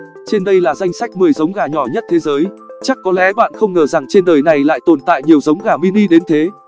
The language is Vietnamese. trên đây là danh sách giống gà nhỏ nhất thế giới chắc có lẽ bạn không ngờ rằng trên đời này lại tồn tại nhiều giống gà mini đến thế